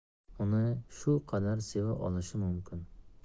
uni shu qadar seva olishi mumkin